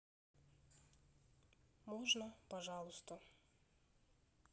можно пожалуйста